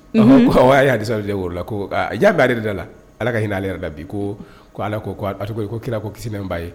' y'a disa de wolo la ko jaabi b'a yɛrɛ da la ala ka hinɛ ala yɛrɛ da bi ko ko ala ko ko kira ko kisi n'a ye